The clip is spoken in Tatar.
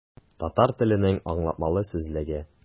Татар теленең аңлатмалы сүзлеге.